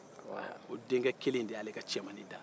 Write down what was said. wala o denkɛkelen n de y' ale ka cɛmani dan